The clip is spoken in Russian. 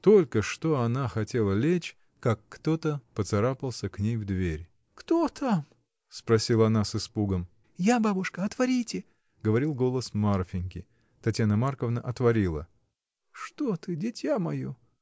Только что она хотела лечь, как кто-то поцарапался к ней в дверь. — Кто там? — спросила она с испугом. — Я, бабушка, — отворите! — говорил голос Марфиньки. Татьяна Марковна отворила. — Что ты, дитя мое?